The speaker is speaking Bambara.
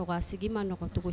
Sigi maɔgɔn cogo